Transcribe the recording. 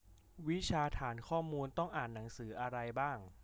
วิชาฐานข้อมูลต้องอ่านหนังสืออะไรบ้าง